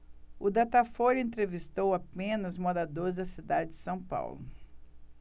o datafolha entrevistou apenas moradores da cidade de são paulo